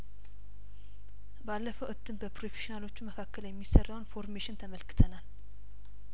ባለፈው እትም በፕሮ ፌሽና ሎቹ በኩል የሚሰራውን ፎርሜሽን ተመልክተናል